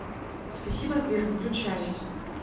спасибо сбер выключайся